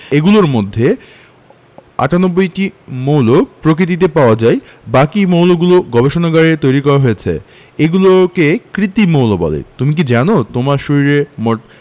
এগুলোর মধ্যে ৯৮টি মৌল প্রকৃতিতে পাওয়া যায় বাকি মৌলগুলো গবেষণাগারে তৈরি করা হয়েছে এগুলোকে কৃত্রিম মৌল বলে তুমি কি জানো তোমার শরীরে মোট